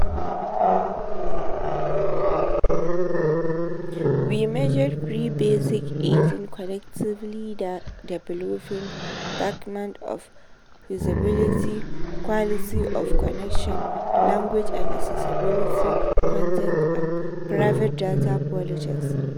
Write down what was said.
We measured Free Basics against collectively-developed benchmarks of usability, quality of connection, language and accessibility, content, and privacy/data policies.